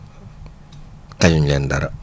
xañuñ leen dara